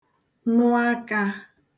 nụ akā